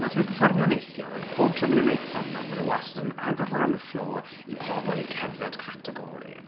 wnaethon nhw perfformio neithiwr, pob tro maen nhw'n wneud perfformiad maen nhw'n wastad yn agor lan y floor i pobl i cerdded category.